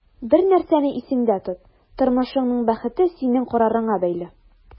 Бер нәрсәне исеңдә тот: тормышыңның бәхете синең карарыңа бәйле.